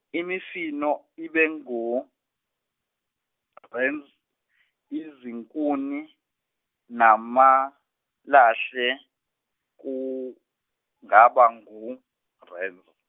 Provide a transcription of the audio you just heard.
imifino ibe ngu Rand izinkuni namalahle kungaba ngu Randz-.